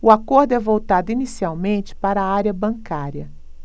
o acordo é voltado inicialmente para a área bancária